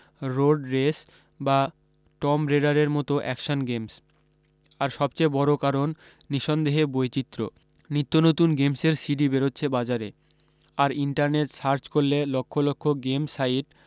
রোর্ডরেস বা টোম্ব রেডারের মতো অ্যাকশান গেমস আর সবচেয়ে বড় কারণ নিসন্দেহে বৈচিত্র্য নিত্য নতুন গেমসের সিডি বেরোচ্ছে বাজারে আর ইন্টারনেট সার্চ করলে লক্ষ লক্ষ গেমস সাইট